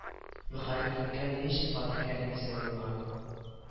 Мөхәррирлеккә ни өчен фатих кәрими сайланган